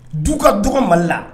Du ka dug mali la